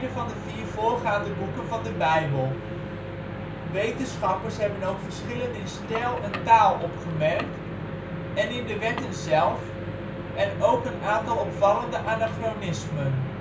van de vier voorgaande boeken van de Bijbel. Wetenschappers hebben ook verschillen in stijl en taal opgemerkt, en in de wetten zelf, en ook een aantal opvallende anachronismen